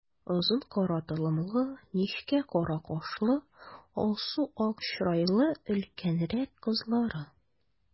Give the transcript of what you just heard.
Озын кара толымлы, нечкә кара кашлы, алсу-ак чырайлы өлкәнрәк кызлары.